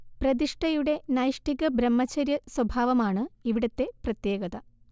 പ്രതിഷ്ഠയുടെ നൈഷ്ഠിക ബ്രഹ്മചര്യ സ്വഭാവമാണ് ഇവിടുത്തെ പ്രത്യേകത